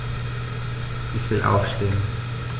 Ich will aufstehen.